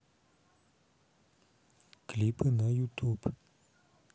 клипы на ютуб